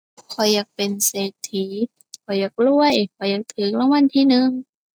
ข้อยอยากเป็นเศรษฐี ข้อยอยากรวย ข้อยอยากถูกรางวัลที่หนึ่ง